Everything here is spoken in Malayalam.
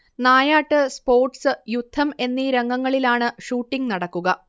നായാട്ട്, സ്പോർട്സ്, യുദ്ധം എന്നീ രംഗങ്ങളിലാണ് ഷൂട്ടിംഗ് നടക്കുക